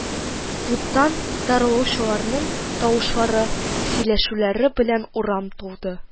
Клубтан таралучыларның тавышлары, сөйләшүләре белән урам тулды